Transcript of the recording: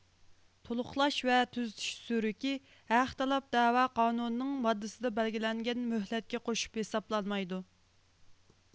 تۇلۇقلاش ۋە تۈزىتىش سۈرۈكى ھەق تەلەپ دەۋا قانۇنى نىڭ ماددىسىدا بەلگىلەنگەن مۆھلەتكە قوشۇپ ھېسابلانمايدۇ